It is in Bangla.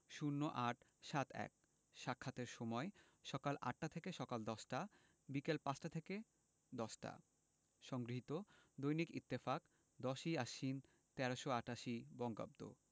০৮৭১ সাক্ষাতের সময়ঃসকাল ৮টা থেকে ১০টা - বিকাল ৫টা থেকে ১০টা সংগৃহীত দৈনিক ইত্তেফাক ১০ই আশ্বিন ১৩৮৮ বঙ্গাব্দ